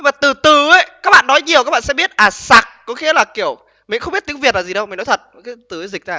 và từ từ ý các bạn nói nhiều các bạn sẽ biết à sặc có nghĩa là kiểu mình không biết tiếng việt là gì đâu mình nói thật cái từ ý dịch ra